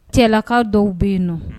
Cɛla dɔw bɛ yen n nɔ